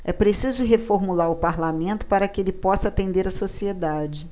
é preciso reformular o parlamento para que ele possa atender a sociedade